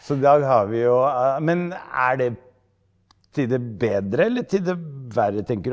så i dag har vi jo men er det til det bedre eller til det verre tenker du?